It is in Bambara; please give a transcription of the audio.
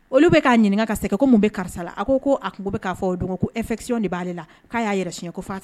Olu bɛ k'a ɲininkaka ka ko mun bɛ karisa la a ko a kun bɛ k'a fɔ o dɔn ko e fɛkisiɔn de b'a la k'a y'a yɛrɛ siɲɛ ko faa tɛ